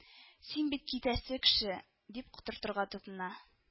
Син бит китәсе кеше, дип котыртырга тотына